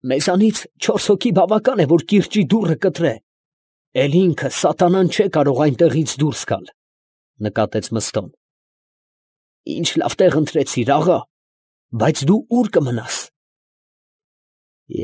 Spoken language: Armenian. Մեզանից չորս հոգի բավական է, որ կիրճի դուռը կտրե, էլ ինքը սատանան չէ կարող այնտեղից դուրս գալ, ֊ նկատեց Մըստոն. ֊ ինչ լավ տեղ ընտրեցիր, աղա, բայց դու ո՞ւր կմնաս։ ֊